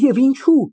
Եվ ինչո՞ւ։